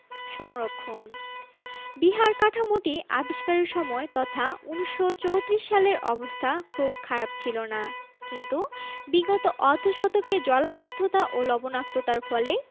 সংরক্ষণ বিহার কাঠামোটি আবিষ্কারের সময় তথা ১৯৩৪ সালের অবস্থা খুব খারাপ ছিল না কিন্তু বিগত অর্ধ শতকে জলাবদ্ধতা ও লবণাক্ততার ফলে